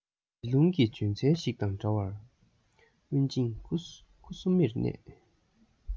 རི ཀླུང གི ལྗོན ཚལ ཞིག དང འདྲ བར དབེན ཅིང ཁུ སུམ མེར གནས